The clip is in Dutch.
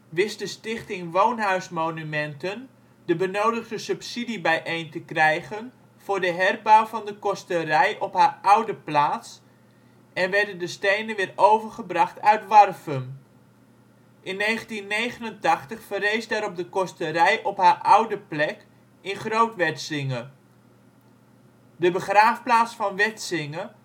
wist de stichting Woonhuismonumenten de benodigde subsidie bijeen te krijgen voor de herbouw van de kosterij op haar oude plaats en werden de stenen weer overgebracht uit Warffum. In 1989 verrees daarop de kosterij op haar oude plek in Groot Wetsinge. De begraafplaats van Wetsinge